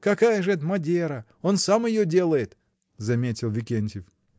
— Какая же это мадера: он сам ее делает, — заметил Викентьев.